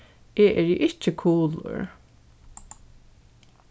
eg eri ikki kulur